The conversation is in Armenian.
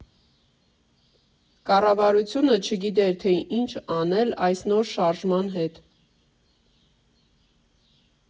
Կառավարությունը չգիտեր, թե ինչ անել այս նոր շարժման հետ։